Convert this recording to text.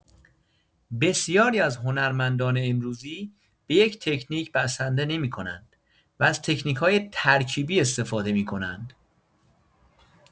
بسیاری از هنرمندان امروزی به یک تکنیک بسنده نمی‌کنند و از تکنیک‌های ترکیبی استفاده می‌کنند.